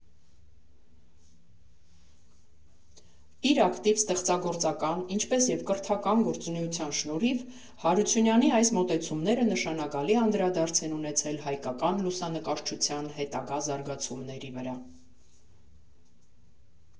Իր ակտիվ ստեղծագործական, ինչպես և կրթական գործնեության շնորհիվ, Հարությունյանի այս մոտեցումները նշանակալի անդրադարձ են ունեցել հայկական լուսանկարչության հետագա զարգացումների վրա։